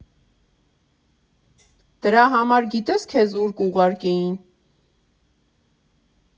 Դրա համար գիտե՞ս քեզ ուր կուղարկեին։